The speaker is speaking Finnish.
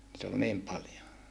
niitä oli niin paljon